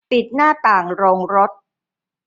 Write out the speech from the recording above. ปิดหน้าต่างโรงรถ